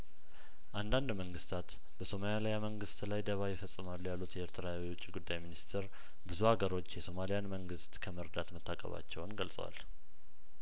አንዳንድ መንግስታት በሶማሊያመንግስት ላይ ደባ ይፈጽ ማሉ ያሉት የኤርትራ የውጪ ጉዳይ ሚኒስትር ብዙ አገሮች የሶማሊያን መንግስት ከመርዳት መታቀባቸውን ገልጸዋል